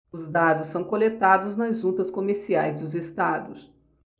os dados são coletados nas juntas comerciais dos estados